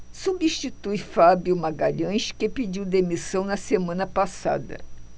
substitui fábio magalhães que pediu demissão na semana passada